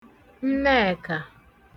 Nnẹkà